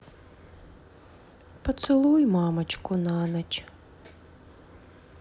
поцелуй мамочку на ночь